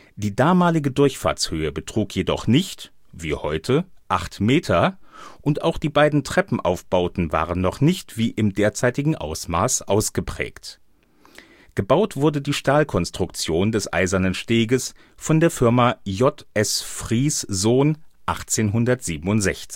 Die damalige Durchfahrtshöhe betrug jedoch nicht – wie heute – acht Meter, und auch die beiden Treppenaufbauten waren noch nicht wie im derzeitigen Ausmaß ausgeprägt. Gebaut wurde die Stahlkonstruktion des Eisernen Steges von der Firma J. S. Fries Sohn 1867